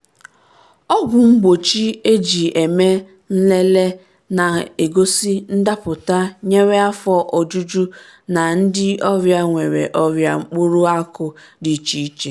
Ọgwụ mgbochi eji eme nlele na-egosi ndapụta nyere afọ ojuju na ndị ọrịa nwere ọrịa mkpụrụ akụ dị iche iche.